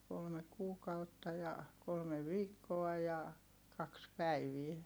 kolme kuukautta ja kolme viikkoa ja kaksi päivää